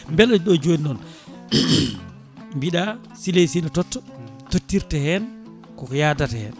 beele ɗo joni noon mbiɗa Sileye seene totta tottirta hen koko yadata hen